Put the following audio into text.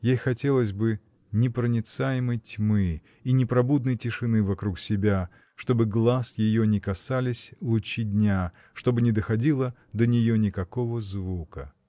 Ей хотелось бы — непроницаемой тьмы и непробудной тишины вокруг себя, чтобы глаз ее не касались лучи дня, чтобы не доходило до нее никакого звука.